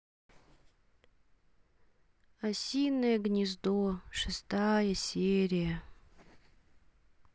осиное гнездо шестая серия